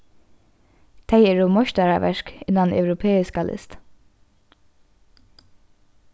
tey eru meistaraverk innan europeiska list